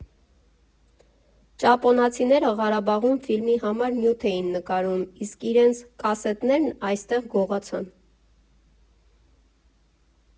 Ճապոնացիները Ղարաբաղում ֆիլմի համար նյութ էին նկարում, իսկ իրենց կասետներն այստեղ գողացան։